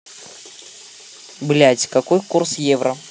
блядь какой курс евро